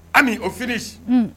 Ami au finish